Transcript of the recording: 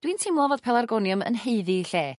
dwi'n teimlo fod pelargonium yn haeddi 'i lle